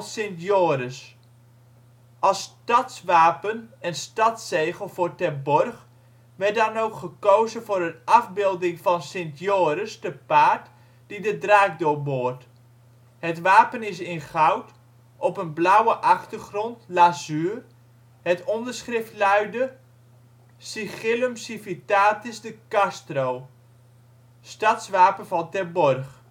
Sint Joris. Als stadswapen en stadszegel voor Terborg werd dan ook gekozen voor een afbeelding van Sint Joris te paard die de draak doorboort. Het wapen is in goud, op een blauwe achtergrond (lazuur). Het onderschrift luidde: Sigillum civitatis de Castro (stadswapen van ter borg